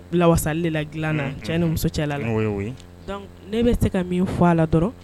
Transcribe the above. Bila wasali la dilana cɛ ni muso cɛ ne bɛ se ka min fɔ a la dɔrɔn